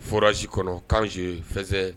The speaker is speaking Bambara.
Furasi kɔnɔ k kananso fɛnsɛ